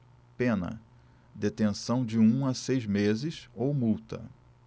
pena detenção de um a seis meses ou multa